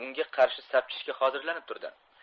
unga qarshi sapchishga hozirlanib turdi